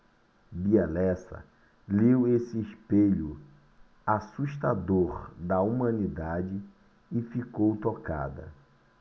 bia lessa leu esse espelho assustador da humanidade e ficou tocada